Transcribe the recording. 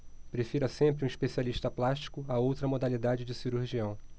prefira sempre um especialista plástico a outra modalidade de cirurgião